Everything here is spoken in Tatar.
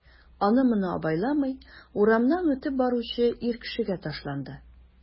Аны-моны абайламый урамнан үтеп баручы ир кешегә ташланды...